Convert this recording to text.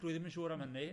Dwi ddim yn siŵr am hynny.